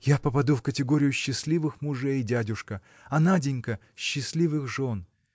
– Я попаду в категорию счастливых мужей дядюшка а Наденька – счастливых жен.